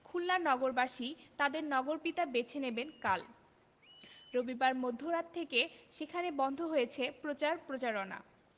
খুলনা নগরবাসী তাঁদের নগরপিতা বেছে নেবেন কাল রবিবার মধ্যরাত থেকে সেখানে বন্ধ হয়েছে প্রচার প্রচারণা